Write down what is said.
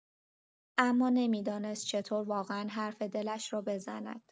اما نمی‌دانست چطور واقعا حرف دلش را بزند.